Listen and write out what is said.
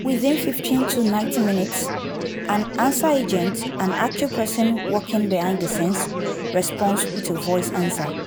Within 15 to 90 minutes, an “answer agent” (an actual person working behind the scenes) responds with a voice answer.